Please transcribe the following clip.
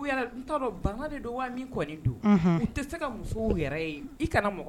Don i tɛ se ka kana